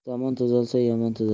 zamon tuzalsa yomon tuzalar